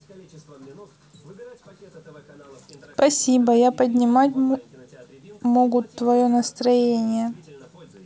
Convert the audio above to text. спасибо я поднимать могут твое настроение